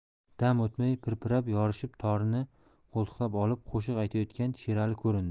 dam o'tmay pirpirab yorishib torini qo'ltiqlab olib qo'shiq aytayotgan sherali ko'rindi